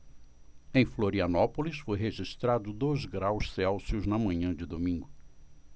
em florianópolis foi registrado dois graus celsius na manhã de domingo